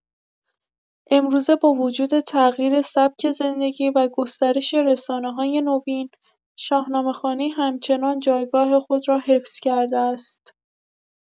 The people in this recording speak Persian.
امروزه با وجود تغییر سبک زندگی و گسترش رسانه‌های نوین، شاهنامه‌خوانی همچنان جایگاه خود را حفظ کرده است.